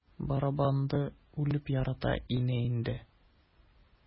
Барабанны үлеп ярата иде инде.